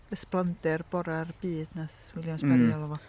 Ysblander bore'r byd wnaeth Williams Parry... Hmm. ...alw fo.